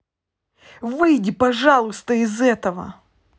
выйди пожалуйста из этого